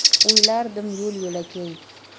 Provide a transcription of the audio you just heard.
o'ylardim yo'l yo'lakay